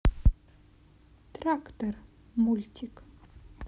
трактор мультик